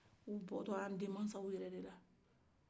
o bɔtɔ an denw masaw yɛrɛ de la